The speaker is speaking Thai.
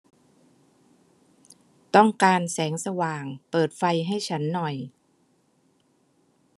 ต้องการแสงสว่างเปิดไฟให้ฉันหน่อย